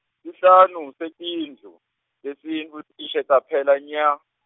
sihlanu setindlu, tesintfu tishe taphela nya.